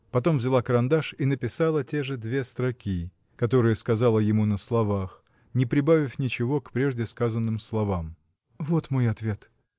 Потом взяла карандаш и написала те же две строки, которые сказала ему на словах, не прибавив ничего к прежде сказанным словам. — Вот мой ответ!